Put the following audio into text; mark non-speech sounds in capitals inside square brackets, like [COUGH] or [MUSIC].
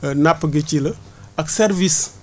[HESITATION] napp gi ci la ak service